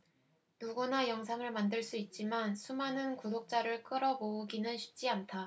누구나 영상을 만들 수 있지만 수많은 구독자를 끌어 모으기는 쉽지 않다